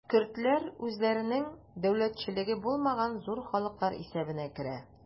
Көрдләр үзләренең дәүләтчелеге булмаган зур халыклар исәбенә керә.